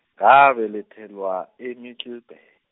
ngabelethelwa e- Middelbu-.